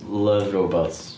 Love robots.